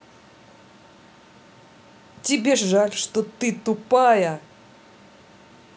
тебе жаль что ты тупая